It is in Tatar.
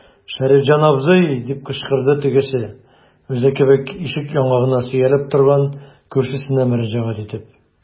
Шәрифҗан абзый, - дип кычкырды тегесе, үзе кебек ишек яңагына сөялеп торган күршесенә мөрәҗәгать итеп.